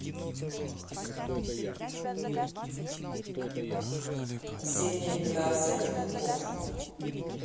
осенняя операция котенков